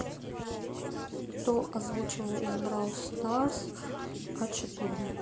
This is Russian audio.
кто озвучивал из brawl stars а четыре